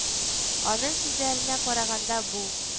Аның сүзләренә караганда бу